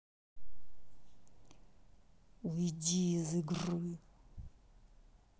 уйди из игры